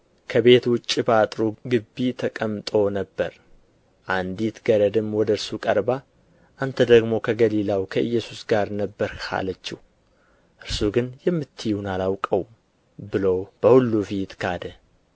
ከቤት ውጭ በአጥሩ ግቢ ተቀምጦ ነበር አንዲት ገረድም ወደ እርሱ ቀርባ አንተ ደግሞ ከገሊላው ከኢየሱስ ጋር ነበርህ አለችው እርሱ ግን የምትዪውን አላውቀውም